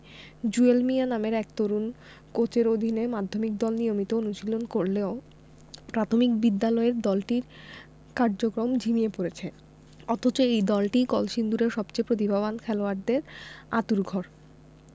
জুয়েল মিয়া নামের এক তরুণ কোচের অধীনে মাধ্যমিক দল নিয়মিত অনুশীলন করলেও প্রাথমিক বিদ্যালয়ের দলটির কার্যক্রম ঝিমিয়ে পড়েছে অথচ এই দলটিই কলসিন্দুরের সবচেয়ে প্রতিভাবান খেলোয়াড়দের আঁতুড়ঘর